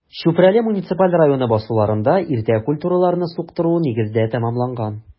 Чүпрәле муниципаль районы басуларында иртә культураларны суктыру нигездә тәмамланган.